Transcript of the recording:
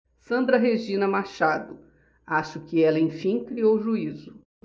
sandra regina machado acho que ela enfim criou juízo